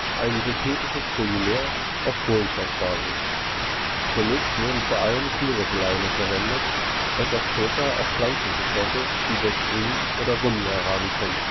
ein synthetisches Polymer auf Kohlenstoffbasis. Zunächst wurden vor allem tierische Leime verwendet, etwas später auch pflanzliche Stoffe, wie Dextrin oder Gummi arabicum